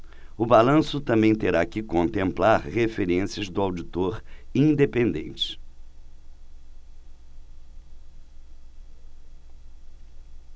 o balanço também terá que contemplar referências do auditor independente